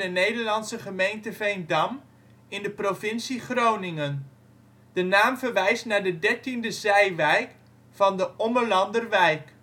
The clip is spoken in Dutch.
Nederlandse gemeente Veendam in de provincie Groningen. De naam verwijst naar de dertiende zijwijk van de Ommelanderwijk